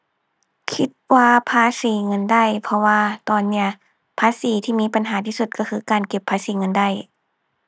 คิดว่าภาษีเงินได้เพราะว่าตอนเนี่ย ภาษีที่มีปัญหาที่สุดก็คือการเก็บภาษีเงินได้